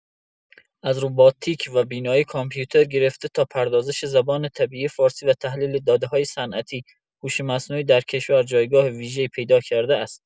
از رباتیک و بینایی کامپیوتر گرفته تا پردازش زبان طبیعی فارسی و تحلیل داده‌های صنعتی، هوش مصنوعی در کشور جایگاه ویژه‌ای پیدا کرده است.